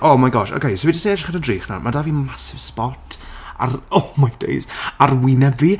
Oh my gosh, okay so fi jyst 'di edrych yn y drych nawr. Ma' 'da fi massive sbot ar oh my days, ar wyneb fi.